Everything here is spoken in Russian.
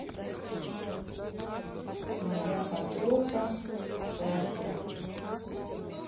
моя подруга с центра